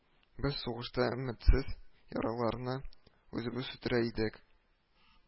— без сугышта өметсез яралыларны үзебез үтерә идек